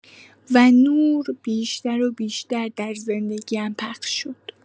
و نور، بیشتر و بیشتر در زندگی‌ام پخش شد.